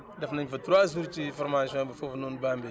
def nañ fa trois jours ci formations bi foofu noonu Bambey